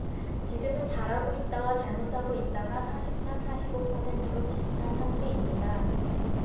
지금은 잘하고 있다와 잘못하고 있다가 사십 사 사십 오 퍼센트로 비슷한 상태입니다